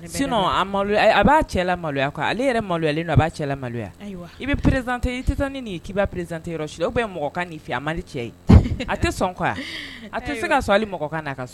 Sinɔn a b'a cɛla maloya ale yɛrɛ maloya a b'a cɛla maloya i bɛ perezte i k'iba perezte yɔrɔ su o bɛ mɔgɔkan nin fɛ a mali cɛ ye a tɛ sɔn a tɛ se ka sɔn ale mɔgɔkan'a ka so